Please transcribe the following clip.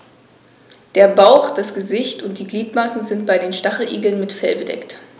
Der Bauch, das Gesicht und die Gliedmaßen sind bei den Stacheligeln mit Fell bedeckt.